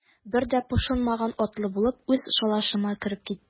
Бер дә пошынмаган атлы булып, үз шалашыма кереп киттем.